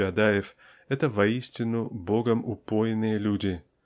Чаадаев -- это воистину Богом упоенные люди